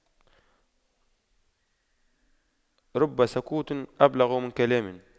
رب سكوت أبلغ من كلام